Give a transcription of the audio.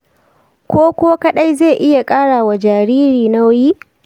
koko kadai zai iya kara ma jariri nauyi?